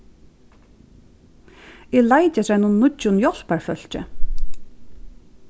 eg leiti eftir einum nýggjum hjálparfólki